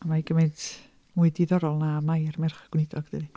A mae hi gymaint mwy diddorol na Mair merch y Gweinidog dydy?